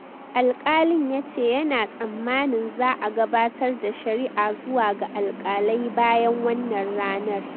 Alkalin ya ce yana tsammanin za a gabatar da shari'a zuwa ga alkalai bayan wannan ranar.